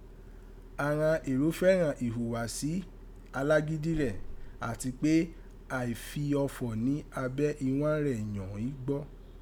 Àghan èrò fẹ́ràn ìhùwàsí alágídíi rẹ̀ àti pé àìfiọfọ̀ ni ábẹ́ iwán rẹ̀ yọ̀n í gbọ́.